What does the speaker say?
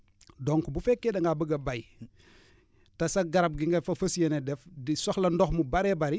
donc bu fekkee da ngaa bëgg a béy te sa garab gi nga fas yéenee def di soxla ndox mu baree bari